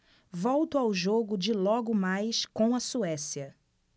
volto ao jogo de logo mais com a suécia